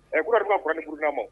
Ɛɛ fɔ niuru nama